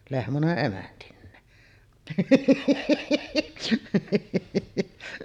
lehmä emäntineen